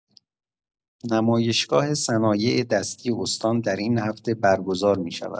نمایشگاه صنایع‌دستی استان در این هفته برگزار می‌شود.